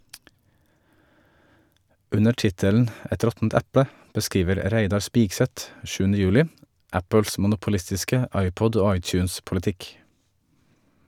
Under tittelen «Et råttent eple» beskriver Reidar Spigseth 7. juli Apples monopolistiske iPod- og iTunes-politikk.